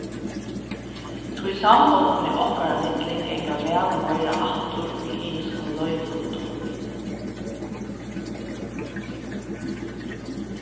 tí sambondini okkara millum ganga væl meira aftur í ymiskum leiklutum